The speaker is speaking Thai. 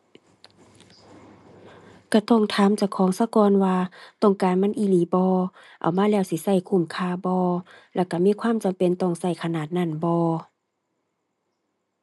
ก็ต้องถามเจ้าของซะก่อนว่าต้องการมันอีหลีบ่ เอามาแล้วสิก็คุ้มค่าบ่ แล้วก็มีความจำเป็นต้องก็ขนาดนั้นบ่